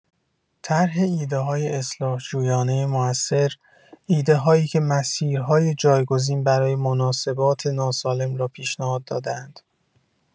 طرح ایده‌های اصلاح‌جویانه موثر، ایده‌هایی که مسیرهای جایگزین برای مناسبات ناسالم را پیشنهاد داده‌اند.